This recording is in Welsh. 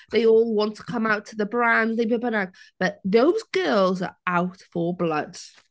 They all want to come out to the brand neu be bynnag. But those girls are out for blood.